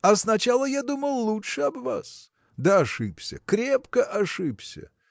– А сначала я думал лучше об вас, да ошибся, крепко ошибся!